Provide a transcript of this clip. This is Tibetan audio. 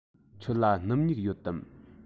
ཁྱོད ལ སྣུམ སྨྱུག ཡོད དམ